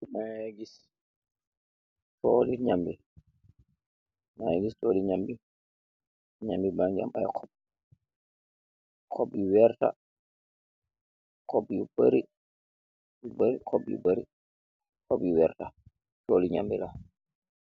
Mageh gis tooli nambi nambi bangam ay xob yu vertah xob yu u bari xob yu bari xob yu werta tooli nambi la.